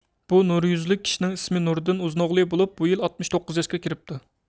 بۇ نۇر يۈزلۈك كىشىنىڭ ئىسمى نۇردىن ئۇزۇنوغلى بولۇپ بۇ يىل ئاتمىش توققۇز ياشقا كىرىپتۇ